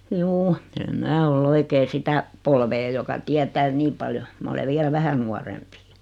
juu en minä ole oikein sitä polvea joka tietää niin paljon minä olen vielä vähän nuorempi